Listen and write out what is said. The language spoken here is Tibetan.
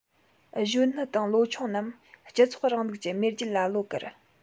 གཞོན ནུ དང ལོ ཆུང རྣམས སྤྱི ཚོགས རིང ལུགས ཀྱི མེས རྒྱལ ལ བློ དཀར